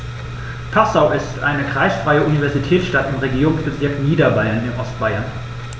Passau ist eine kreisfreie Universitätsstadt im Regierungsbezirk Niederbayern in Ostbayern.